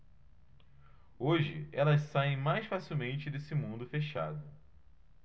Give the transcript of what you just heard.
hoje elas saem mais facilmente desse mundo fechado